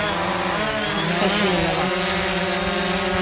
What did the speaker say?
затащи меня в ад